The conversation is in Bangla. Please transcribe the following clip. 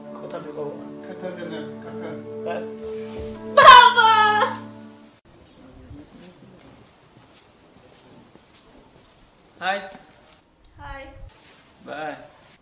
কথা দিলাম বাবা হাই হাই বাই